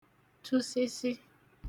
tụsịsị